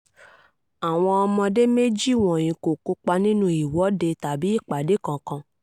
Àwọn ọmọdé méjì wọ̀nyìí kò kópa nínú ìwọ́de àbí ìpàdé kankan.